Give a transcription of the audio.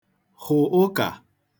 hụ̀ ụkà